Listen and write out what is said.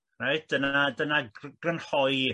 Reit dyna dyna grynhoi